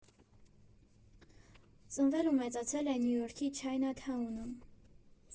Ծնվել ու մեծացել է Նյու Յորքի Չայնաթաունում։